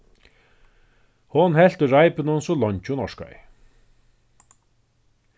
hon helt í reipinum so leingi hon orkaði